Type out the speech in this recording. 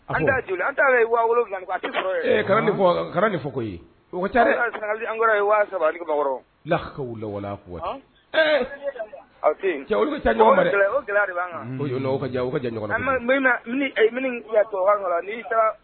An taa an taara wa wolonwula de fɔ ko waawa cɛ olu ka ka